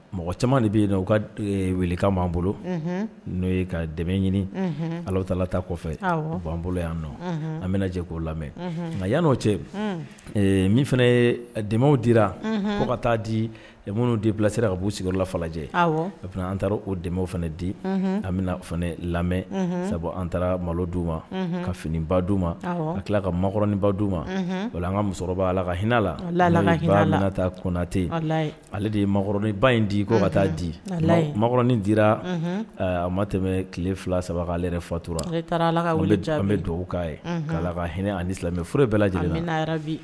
Mɔgɔ caman de bɛ yen u ka weelekaw b'an bolo n'o ye ka dɛmɛ ɲini ala taalata kɔfɛ' anan bolo yan nɔ an bɛ k'o lamɛn nka yan n'o cɛ min fana ye denmusow di fo ka taa di minnu de bilasira ka b'u sigiyɔrɔla falajɛ a an taara o denmuso fana di an fana lamɛn sabu an taara malo d' u ma ka finiba di uu ma a tila ka makɔrɔnin ba d uu ma o an ka musokɔrɔba ala ka hinɛ la nana taa konatɛ ale de ye makɔrɔnin ba in di kɔ ka taa di makɔrɔnin dira a ma tɛmɛ tile fila saba yɛrɛ fatura taara an bɛ dugawu kan ye ka ka hinɛ ani silamɛ foyi bɛɛ lajɛlen